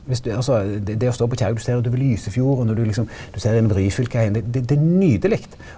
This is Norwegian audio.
viss du altså det det å stå på Kjerag du ser utover Lysefjorden og du liksom du ser innover Ryfylke det er nydeleg.